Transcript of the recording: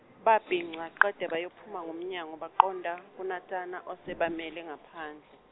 babhinca qede bayophuma ngomnyango baqonda, kuNatana osebamele ngaphandl-.